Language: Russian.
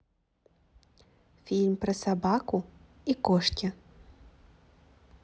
фильм про собаку и кошки